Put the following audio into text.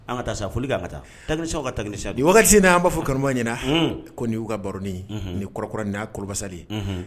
An ka taa sa foli' ka taa ta sa aw ka ta sa waati n'an b'a fɔ karamɔgɔma ɲɛna ko n y'u ka baro ye nin ye kɔrɔkɔrɔ' kolobasa de ye